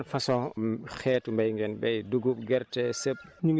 léegi ban façon xeetu mbéy ngeen béy dugub gerte sëb